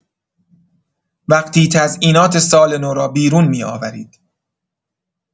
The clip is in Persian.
وقتی تزیینات سال‌نو را بیرون می‌آورید.